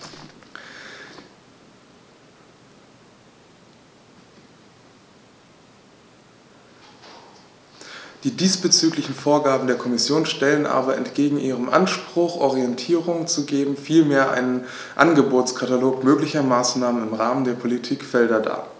Die diesbezüglichen Vorgaben der Kommission stellen aber entgegen ihrem Anspruch, Orientierung zu geben, vielmehr einen Angebotskatalog möglicher Maßnahmen im Rahmen der Politikfelder dar.